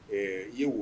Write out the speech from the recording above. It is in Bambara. Ɛɛ yen wo